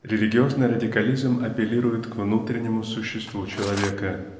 религиозный радикализм апеллирует к внутреннему существу человека